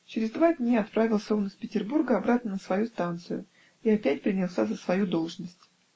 Через два дни отправился он из Петербурга обратно на свою станцию и опять принялся за свою должность.